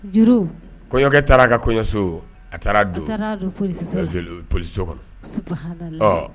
Kɔɲɔkɛ taara ka kɔɲɔso a taara don pso kɔnɔ